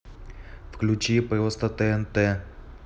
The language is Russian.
включи просто тнт